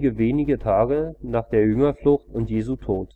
wenige Tage nach der Jüngerflucht und Jesu Tod